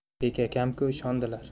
bek akam ku ishondilar